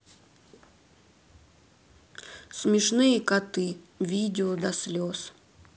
смешные коты видео до слез